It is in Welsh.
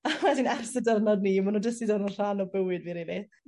a wedyn ers y di'rnod 'ny ma' n'w jyst 'di dod yn rhan o bywyd fi rili.